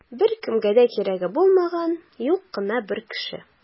Беркемгә дә кирәге булмаган юк кына бер кеше.